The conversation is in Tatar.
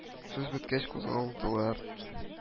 Сүз беткәч кузгалдылар